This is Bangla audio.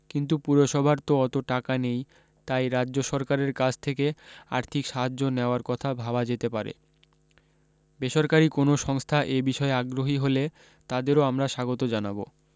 কিন্তু পুরসভার তো অত টাকা নেই তাই রাজ্য সরকারের কাছ থেকে আর্থিক সাহায্য নেওয়ার কথা ভাবা যেতে পারে বেসরকারি কোনও সংস্থা এ বিষয়ে আগ্রহী হলে তাদেরও আমরা স্বাগত জানাব